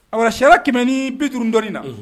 Awa 250 ni dɔɔnin na unhun